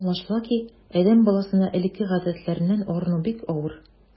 Аңлашыла ки, адәм баласына элекке гадәтләреннән арыну бик авыр.